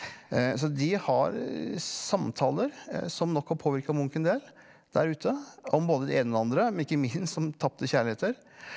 så de har samtaler som nok har påvirka Munch en del der ute om både det ene og det andre men ikke minst om tapte kjærligheter.